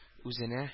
Үзенә